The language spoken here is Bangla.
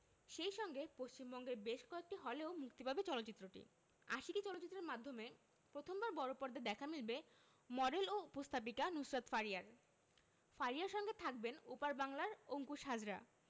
সেই সঙ্গে পশ্চিমবঙ্গের বেশ কয়েকটি হলেও মুক্তি পাবে চলচ্চিত্রটি আশিকী চলচ্চিত্রের মাধ্যমে প্রথমবার বড়পর্দায় দেখা মিলবে মডেল ও উপস্থাপিকা নুসরাত ফারিয়ার ফারিয়ার সঙ্গে থাকবেন ওপার বাংলার অংকুশ হাজরা